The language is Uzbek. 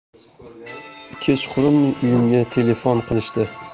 kechqurun uyimga telefon qilishdi